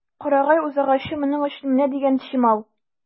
Карагай үзагачы моның өчен менә дигән чимал.